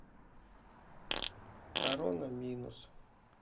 корона минус